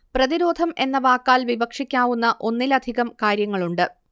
പ്രതിരോധം എന്ന വാക്കാൽ വിവക്ഷിക്കാവുന്ന ഒന്നിലധികം കാര്യങ്ങളുണ്ട്